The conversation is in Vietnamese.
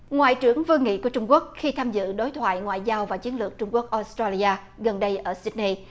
ngoại trưởng vương nghị của trung quốc khi tham dự đối thoại ngoại giao và chiến lược trung quốc ốt trây li a gần đây ở sít ni